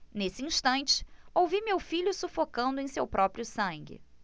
nesse instante ouvi meu filho sufocando em seu próprio sangue